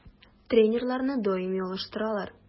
Тренерларны даими алыштыралар.